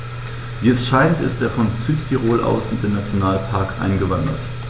Wie es scheint, ist er von Südtirol aus in den Nationalpark eingewandert.